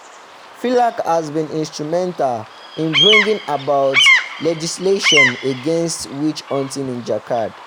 FLAC has been instrumental in bringing about legislation against witch-hunting in Jharkhand.